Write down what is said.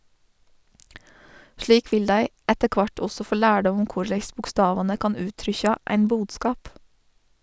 Slik vil dei etter kvart også få lærdom om korleis bokstavane kan uttrykkja ein bodskap.